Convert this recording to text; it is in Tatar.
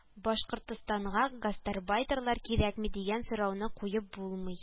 Башкортстанга гастарбайтерлар кирәкме дигән сорауны куеп булмый